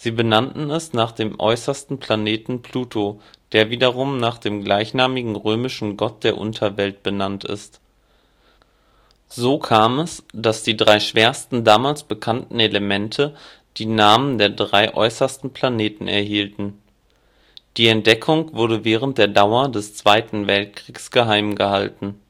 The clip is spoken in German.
benannten es nach dem äußersten Planeten Pluto, der wiederum nach dem gleichnamigen römischen Gott der Unterwelt benannt ist. So kam es, dass die 3 schwersten damals bekannten Elemente die Namen der drei äußersten Planeten erhielten. Die Entdeckung wurde während der Dauer des 2. Weltkrieges geheim gehalten